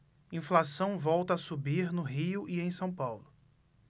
inflação volta a subir no rio e em são paulo